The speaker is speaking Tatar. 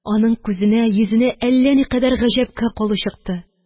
Аның күзенә, йөзенә әллә никадәр гаҗәпкә калу чыкты.